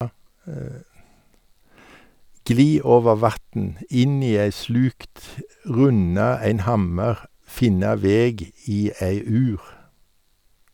Gli over vatn, inn i ei slukt, runda ein hammar, finna veg i ei ur.